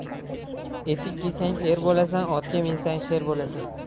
etik kiysang er bo'lasan otga minsang sher bo'lasan